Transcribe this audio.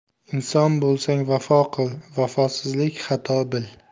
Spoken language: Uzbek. inson bo'lsang vafo qil vafosizlik xato bil